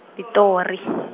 Pitori .